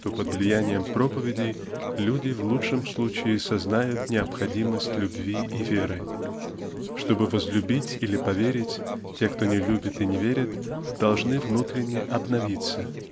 что под влиянием проповедей люди в лучшем случае сознают необходимость любви и веры? Чтобы возлюбить или поверить те кто не любит и не верит должны внутренне обновиться